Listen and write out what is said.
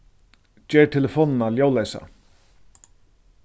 ger telefonina ljóðleysa